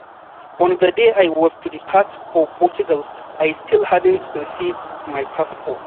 On the day I was to depart for Portugal, I still [hadn’t] received my passport...